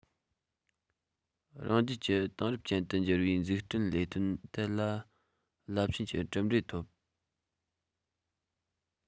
རང རྒྱལ གྱི དེང རབས ཅན དུ འགྱུར བའི འཛུགས སྐྲུན ལས དོན ཐད ལ རླབས ཆེན གྱི གྲུབ འབྲས ཐོབ